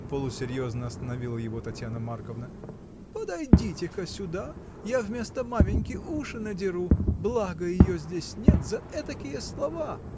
— полусерьезно остановила его Татьяна Марковна, — подойдите-ка сюда, я, вместо маменьки, уши надеру, благо ее здесь нет, за этакие слова!